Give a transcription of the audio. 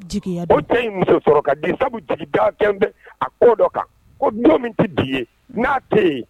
Dɔ kan ɲɔ min tɛ di